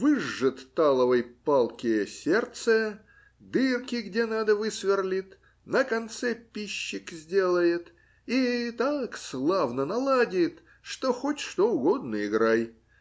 Выжжет таловой палке сердце, дырки, где надо, высверлит, на конце пищик сделает и так славно наладит, что хоть что угодно играй.